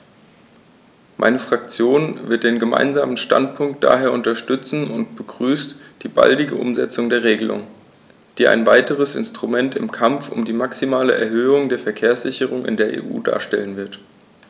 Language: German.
Meine Fraktion wird den Gemeinsamen Standpunkt daher unterstützen und begrüßt die baldige Umsetzung der Regelung, die ein weiteres Instrument im Kampf um die maximale Erhöhung der Verkehrssicherheit in der EU darstellen wird.